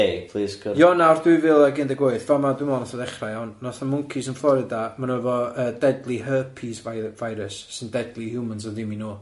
Ok plis gwr- Ionawr dwy fil ag un deg wyth fama dwi'n meddwl nath o ddechrau iawn, nath y mwncis yn Florida myn' o fo yy deadly herpes fi- virus sy'n deadly i humans ond ddim i nhw.